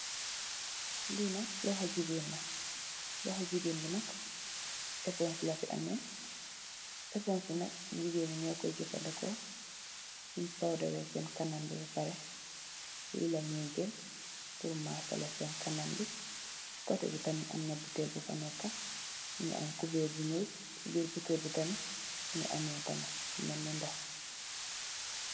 Li nak loxo jigeen la loxo jigeen bi nak epongs la fi ame epongs bi nak jigeen nyu koi jefendeko sung powda wex sen kanam ba parex li le nyoi jel pul masale sen kanambi si kote bi tamit amna botale bu fa neka mongi am cuber bu nuul si birr botale bi tamit mongi ame lu melni ndox.